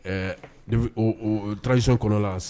Ɛɛ ne tarawelesi kɔnɔna la